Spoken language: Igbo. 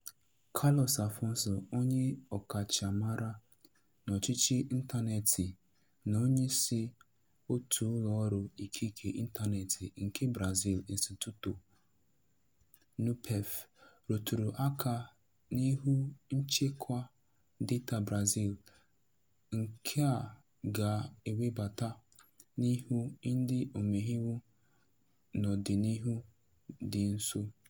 Carlos Afonso, onye ọkachamara n'ọchịchị ịntaneetị na onyeisi òtù ụlọọrụ ikike ịntaneetị nke Brazil Instituto Nupef, rụtụrụ aka n'Iwu Nchekwa Data Brazil, nke a ga-ewebata n'ihu Ndị Omeiwu n'ọdịnihu dị nso.